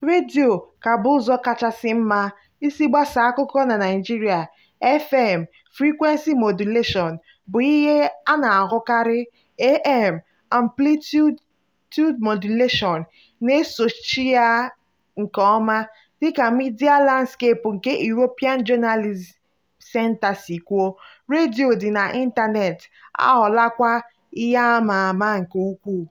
Redio ka bụ ụzọ kachasị mma isi gbasaa akụkọ na Naịjirịa. FM (frequency modulation) bụ ihe a na-ahụkarị, AM (amplitude modulation) na-esochi ya nke ọma, dịka Media Landscape nke European Journalism Centre si kwuo - redio dị n'ịntaneetị aghọọlakwa ihe a ma ama nke ukwuu.